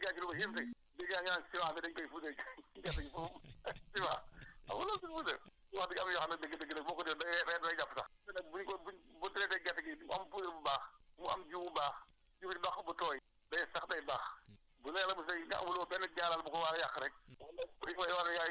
xam nga kon produit bi moo baaxul su produit bi amee solo rek baax baax rek parce que bu amee *** dégg naa ñu naan ciment bi da ñu koy puudaree gerte gi pour ciment xam nga loolu * ciment bi am na yoo xamante ne dëgg-dëgg boo koy def da ngay ree da lay jàpp sax te nag buén ko buñ bu énu traiter gerte gi mu am puudar bu baax mu am jiw bu baax ci biir bàq bu tooy day sax day baax